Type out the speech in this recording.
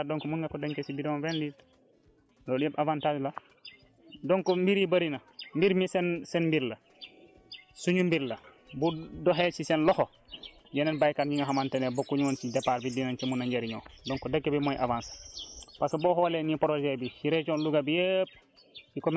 donc minimum si di di mën a mën a béy cinq hectares donc mun nga ko denc si bidon vingt litre loolu yëpp avantage la donc mbir yi bëri na mbir mi seen seen mbir la suñu mbir la bu doxee ci seen loxo yeneen béykat ñi nga xamante ne bokkuñu woon ci départ bi dinañ ko mën a njëriñoo donc dëkk bi mooy avancé